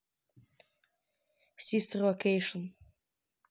систер локейшн